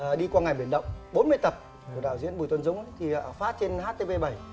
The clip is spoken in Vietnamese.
đi qua ngày biển động bốn mươi tập của đạo diễn bùi tuấn dũng thì phát trên hát tê vê bảy